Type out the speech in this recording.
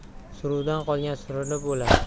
suruvdan qolgan surinib o'lar